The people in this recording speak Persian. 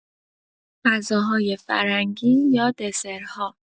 غذاهای فرنگی یا دسرها